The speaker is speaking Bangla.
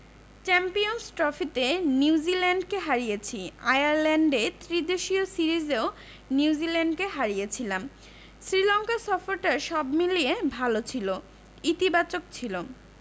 চ্যাম্পিয়নস ট্রফিতে নিউজিল্যান্ডকে হারিয়েছি আয়ারল্যান্ডে ত্রিদেশীয় সিরিজেও নিউজিল্যান্ডকে হারিয়েছিলাম শ্রীলঙ্কা সফরটা সব মিলিয়ে ভালো ছিল ইতিবাচক ছিল